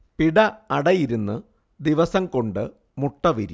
പിട അടയിരുന്നു ദിവസം കൊണ്ട് മുട്ട വിരിയും